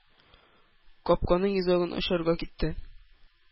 Капканың йозагын ачарга китте.